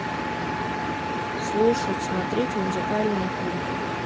слушать смотреть музыкальные клипы